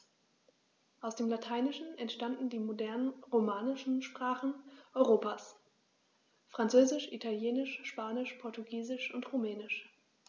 Aus dem Lateinischen entstanden die modernen „romanischen“ Sprachen Europas: Französisch, Italienisch, Spanisch, Portugiesisch und Rumänisch.